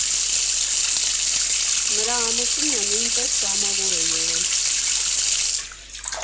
Նրա ամուսինը նույնպես կամավոր է եղել.